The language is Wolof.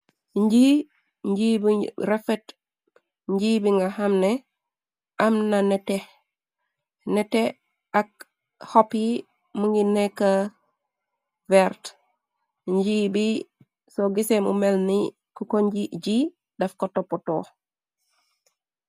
Njii njii bu refet njii bi nga xamne am na nete ak xopp yi mu ngi nekk vert njii bi so gisee mu mel ni ku ko nji ji daf ko toppatoo.